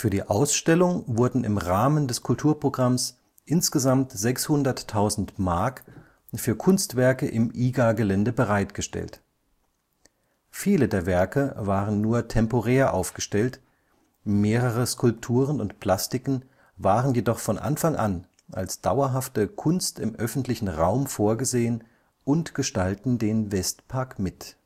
die Ausstellung wurden im Rahmen des Kulturprogramms insgesamt 600.000 Mark für Kunstwerke im IGA-Gelände bereitgestellt. Viele der Werke waren nur temporär aufgestellt, mehrere Skulpturen und Plastiken waren jedoch von Anfang an als dauerhafte Kunst im öffentlichen Raum vorgesehen und gestalten den Westpark mit